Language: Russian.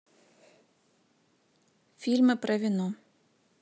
фильмы про вино